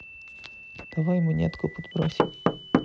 давай монетку подбросим